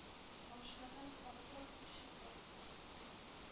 Машинадан парторг чыгып басты.